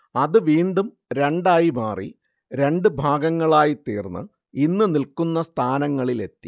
അത് വീണ്ടും രണ്ടായി മാറി രണ്ട് ഭാഗങ്ങളായി തീർന്ന് ഇന്ന് നിൽക്കുന്ന സ്ഥാനങ്ങളിലെത്തി